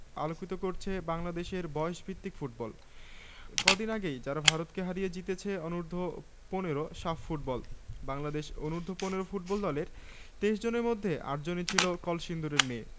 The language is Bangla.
আলোকিত করছে বাংলাদেশের বয়সভিত্তিক ফুটবল কদিন আগেই যারা ভারতকে হারিয়ে জিতেছে অনূর্ধ্ব ১৫ সাফ ফুটবল বাংলাদেশ অনূর্ধ্ব ১৫ ফুটবল দলের ২৩ জনের মধ্যে ৮ জনই ছিল কলসিন্দুরের মেয়ে